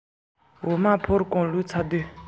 འོ མ ཕོར པ གང ལྡུད རྗེས